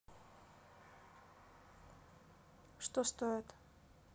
что стоит